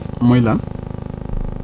muy lan